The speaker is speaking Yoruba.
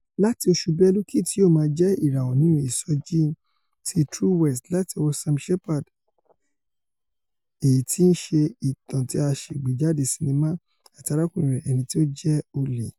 Láti oṣù Bélú Kit yóò máa jẹ́ ìràwọ nínú ìsọjí ti True West láti ọwọ́ Sam Shepard èyití i ṣe ìtàn ti aṣàgbéjáde sinnimá àti arákùnrin rẹ̀, ẹniti o jẹ́ olè.